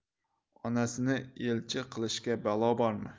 onasini elchi qilishga balo bormi